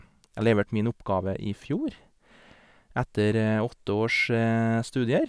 Jeg leverte min oppgave i fjor, etter åtte års studier.